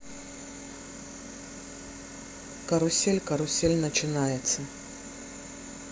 карусель карусель начинается